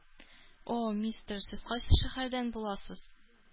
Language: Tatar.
О, мистер, сез кайсы шәһәрдән буласыз?